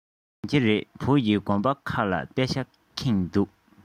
ཡིན གྱི རེད བོད ཀྱི དགོན པ ཁག ལ དཔེ ཆས ཁེངས འདུག ག